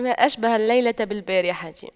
ما أشبه الليلة بالبارحة